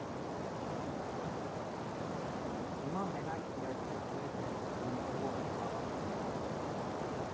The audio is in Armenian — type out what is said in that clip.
Հիմա մենակ կիրակի օրերն եմ Բյուիկով քաղաք գնում։